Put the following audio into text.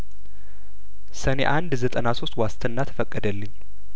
ሰኔ አንድ ዘጠና ሶስት ዋስትና ተፈቀደልኝ